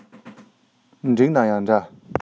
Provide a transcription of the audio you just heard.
འགྲིག ནའང འདྲ